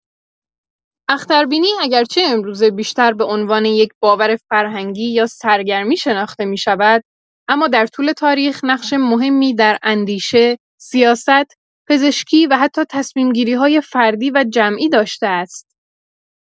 اختربینی اگرچه امروزه بیشتر به‌عنوان یک باور فرهنگی یا سرگرمی شناخته می‌شود، اما در طول تاریخ نقش مهمی در اندیشه، سیاست، پزشکی و حتی تصمیم‌گیری‌های فردی و جمعی داشته است.